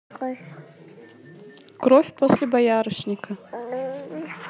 кровь после боярышника